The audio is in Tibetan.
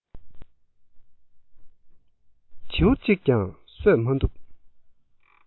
བྱེའུ གཅིག ཀྱང གསོད མ ཐུབ